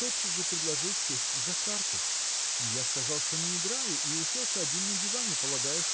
тотчас же предложил сесть за карты. Я сказал что не играю и уселся один на диване полагая